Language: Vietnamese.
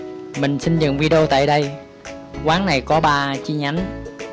mình xin dừng video tại đây quán này có chi nhánh